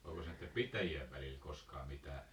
olikos näiden pitäjien välillä koskaan mitään